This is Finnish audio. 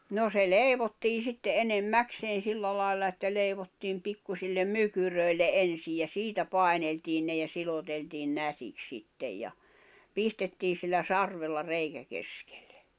no se leivottiin sitten enemmäkseen sillä lailla että leivottiin pikkuisille mykyröille ensin ja siitä paineltiin ne ja siloteltiin nätiksi sitten ja pistettiin sillä sarvella reikä keskelle